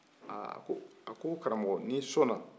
aa a ko karamɔgɔ n'i sɔnna